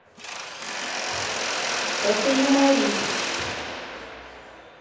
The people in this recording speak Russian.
это юморист